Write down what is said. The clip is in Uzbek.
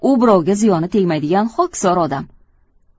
u birovga ziyonitegmaydigan xokisor odam